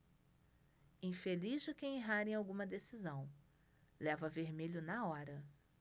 infeliz de quem errar em alguma decisão leva vermelho na hora